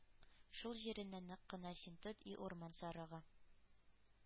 Шул җиреннән нык кына син тот, и урман сарыгы!